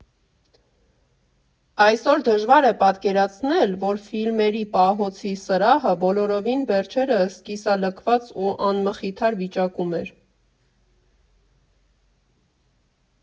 Այսօր դժվար է պատկերացնել, որ ֆիլմերի պահոցի սրահը բոլորովին վերջերս կիսալքված ու անմխիթար վիճակում էր։